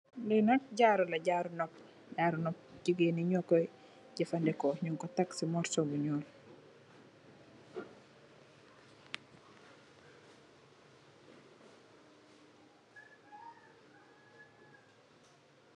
li nak jarula jaru nopa jaru nopa gigaini nyokoi jefandeko nyungko tek sey moso bu nyuul.